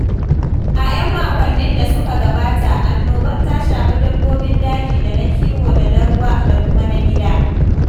A 'yan makwannin da suka gabata, annobar ta shafi dabbobin daji da na kiwo da na ruwa da kuma na gida.